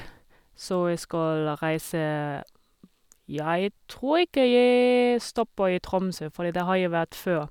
Så jeg skal reise, ja, jeg tror ikke jeg stopper i Tromsø fordi der har jeg vært før.